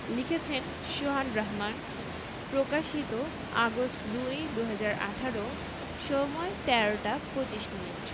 লিখেছেনঃ শোহান রাহমান প্রকাশিতঃ আগস্ট ০২ ২০১৮ সময়ঃ ১৩টা ২৫ মিনিট